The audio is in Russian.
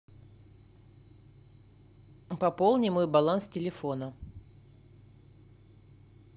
пополни мой баланс телефона